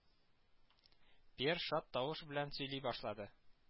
Пьер шат тавыш белән сөйли башлады